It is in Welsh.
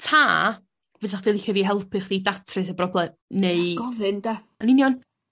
'ta' fysa chdi licio fi helpu chdi datrys y broblem neu... A gofyn 'de? Yn union.